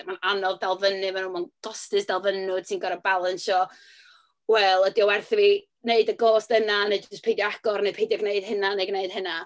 Mae'n anodd dal fyny efo nhw, mae'n gostus dal fyny efo nhw. Ti'n gorfod balansio wel, ydi o werth i fi wneud y gost yna, neu jyst peidio agor, neu peidio gwneud hynna, neu gwneud hynna.